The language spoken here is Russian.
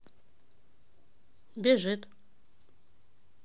бежит